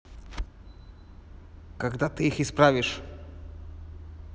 когда ты их исправишь